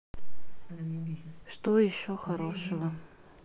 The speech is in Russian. что еще хорошего